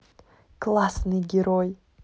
классный герой